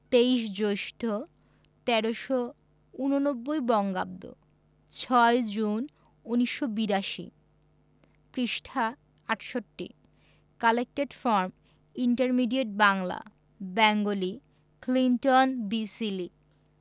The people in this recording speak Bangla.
২৩ জ্যৈষ্ঠ ১৩৮৯ বঙ্গাব্দ ৬ জুন৮২ পৃষ্ঠাঃ ৬৮ collected from intermediate Bangla Bengali Clinton B Seely